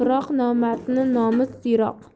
nomarddan nomus yiroq